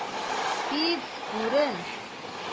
Пивз, күрен!